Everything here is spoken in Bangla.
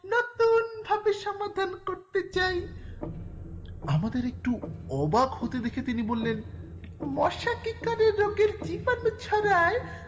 নতুন ভাবে সমাধান করতে চাই আমাদের একটু অবাক হতে দেখে তিনি বললেন মশা কি করে রোগের জীবাণু ছড়ায়